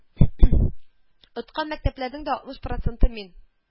Откан мәктәпләрнең дә алтмыш проценты мин